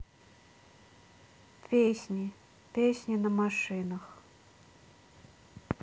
песни песни на машинах